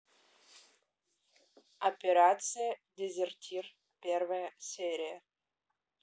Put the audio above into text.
операция дезертир первая серия